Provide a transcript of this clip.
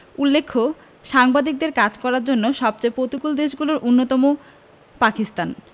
উল্লেখ্য সাংবাদিকদের কাজ করার জন্য সবচেয়ে প্রতিকূল দেশগুলোর অন্যতম পাকিস্তান